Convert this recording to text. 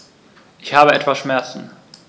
Ich habe etwas Schmerzen.